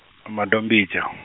a Madombidzha.